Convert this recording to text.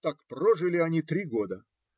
Так прожили они три года.